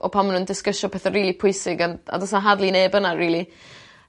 o pan ma' nw'n disgysio petha rili pwysig an- a do's 'na hardly neb yna rili.